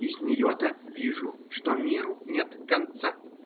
И с нее-то вижу, что миру нет конца.